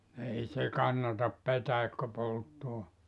ei se kannata petäikkö polttaa